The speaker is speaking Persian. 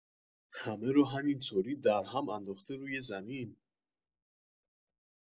همه رو همینطوری درهم انداخته روی زمین